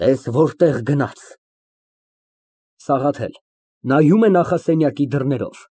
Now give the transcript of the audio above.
Տես, որտեղ գնաց։ ՍԱՂԱԹԵԼ ֊ (Նայում է նախասենյակի դռներով)։